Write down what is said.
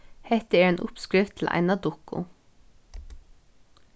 hetta er ein uppskrift til eina dukku